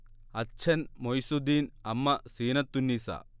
അച്ഛൻ മൊയ്സുദ്ദീൻ അമ്മ സീനത്തുന്നീസ